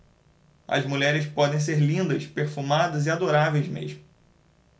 as mulheres podem ser lindas perfumadas e adoráveis mesmo